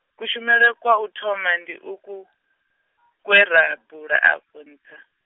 kushumele kwa u thoma ndi uku, kwe ra, bula afho nṱha.